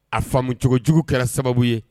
A faamu cogojugu kɛra sababu ye